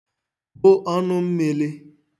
bụ ọnụmmīlī